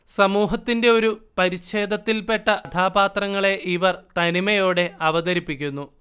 സമൂഹത്തിന്റെ ഒരു പരിഛേദത്തിൽപ്പെട്ട കഥാപാത്രങ്ങളെ ഇവർ തനിമയോടെ അവതരിപ്പിക്കുന്നു